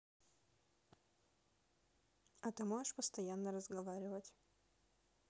а ты можешь постоянно разговаривать